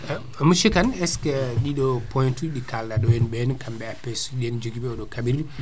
eywa monsieur Kane est ce que ɗiɗo point ji ɗi kalɗa ɗo henna kamɓe APS suji ɗe joogui ɓe oɗo kaaɓirɗe